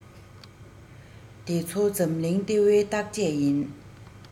དེ ཚོ འཛམ གླིང ལྟེ བའི བརྟག དཔྱད ཡིན